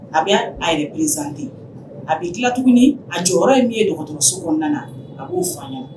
A bɛ a yɛrɛ présentr A bi kila tuguni a jɔyɔrɔ ye min ye docteu so kɔnɔna na a bo fɔ an